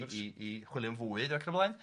i i i i chwilio am fwyd ac yn y blaen.